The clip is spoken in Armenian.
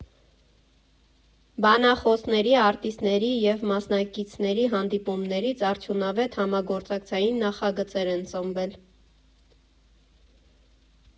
Բանախոսների, արտիստների և մասնակիցների հանդիպումներից արդյունավետ համագործակցային նախագծեր են ծնվել։